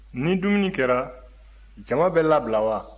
ni dumuni kɛra jama bɛ labila wa